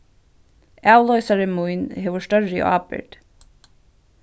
avloysari mín hevur størri ábyrgd